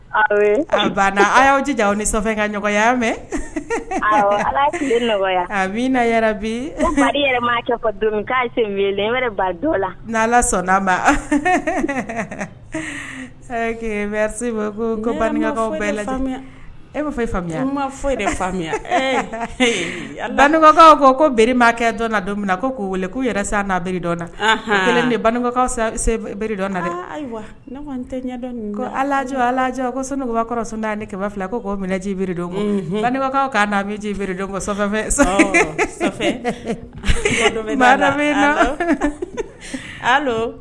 Ayiwa a banna aw y'aw ji jan aw ka nɔgɔya mɛn ala nɔgɔya a' na yɛrɛ bi la ni sɔnnaba kokaw bɛɛ e'a fɔ e faamuya bankaw ko ko beremakɛ dɔn na don min na ko'o wele ko yɛrɛ sa n'a bereri nakaw beredɔn na ayiwaj ko sanukuba kɔrɔtan ne kɛmɛ fila ko ko minɛ ji bereridon balimakaw kaa ji bereeredon